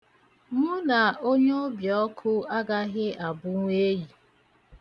Mụ na onye obiọkụ agaghị abụnwu enyi.